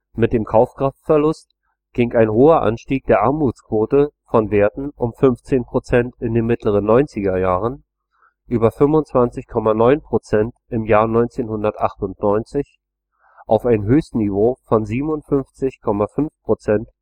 Mit dem Kaufkraftverlust ging ein hoher Anstieg der Armutsquote von Werten um 15 % in den mittleren 90er Jahren über 25,9 % im Jahr 1998 auf ein Höchstniveau von 57,5 %